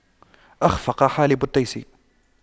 أَخْفَقَ حالب التيس